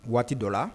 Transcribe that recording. Waati dɔ la